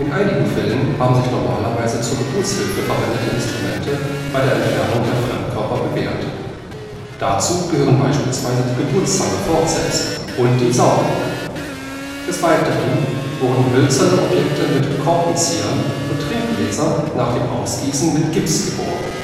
einigen Fällen haben sich normalerweise zur Geburtshilfe verwendete Instrumente bei der Entfernung der Fremdkörper bewährt. Dazu gehören beispielsweise die Geburtszange (Forceps) und die Saugglocke. Des Weiteren wurden hölzerne Objekte mit Korkenziehern und Trinkgläser nach dem Ausgießen mit Gips geborgen